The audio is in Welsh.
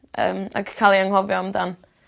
Yym ag ca'l 'u anghofio amdan.